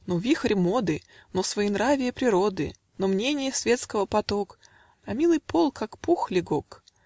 Но вихорь моды, Но своенравие природы, Но мненья светского поток. А милый пол, как пух, легок.